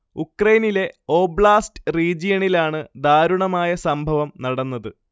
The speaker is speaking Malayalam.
ഉക്രെയിനിലെ ഓബ്ലാസ്റ്റ് റീജിയണിലാണ് ദാരുണമായ സംഭവം നടന്നത്